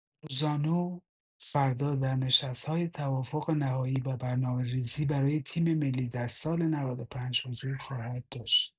لوزانو فردا در نشست‌های توافق نهایی و برنامه‌ریزی برای تیم‌ملی در سال ۹۵ حضور خواهد داشت.